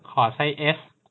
ขอไซส์เอส